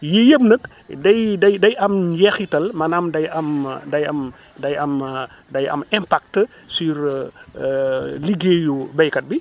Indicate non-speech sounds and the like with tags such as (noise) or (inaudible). yii yëpp nag day day day am njeexital maanaam day am (hesitation) day am day am (hesitation) day am impact (breath) sur (hesitation) liggéeyu béykat bi